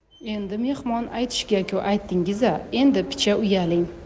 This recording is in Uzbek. endi mehmon aytishga ku aytdingiz a endi picha uyaling